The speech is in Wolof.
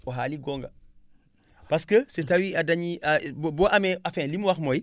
boo amee afin li mu wax mooy